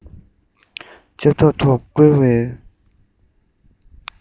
ལྕགས ཐབ ཐོག ཏུ བསྐོལ བའི